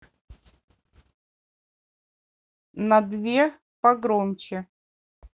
на две погромче